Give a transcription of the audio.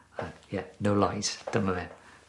Ie, no lies, dyma fe.